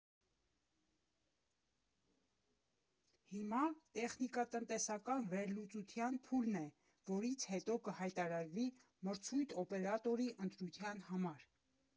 Հիմա տեխնիկատնտեսական վերլուծության փուլն է, որից հետո կհայտարարվի մրցույթ օպերատորի ընտրության համար։